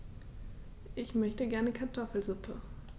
Ich möchte gerne Kartoffelsuppe.